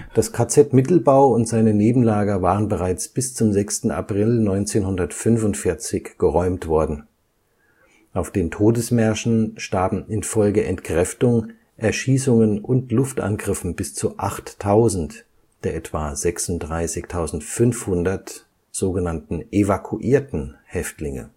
Das KZ Mittelbau und seine Nebenlager waren bereits bis zum 6. April 1945 geräumt worden. Auf den Todesmärschen starben infolge Entkräftung, Erschießungen und Luftangriffen bis zu 8.000 der etwa 36.500 „ evakuierten “Häftlinge